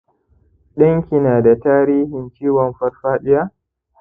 danki nada tarihin ciwon farfadiya